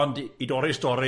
Ond, i dorri'r stori